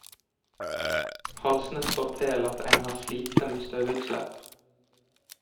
Halsne fortel at ein har slite med støvutslepp.